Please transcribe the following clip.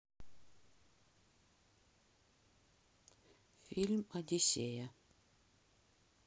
фильм одиссея